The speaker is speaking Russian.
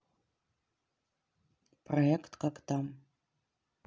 проект как там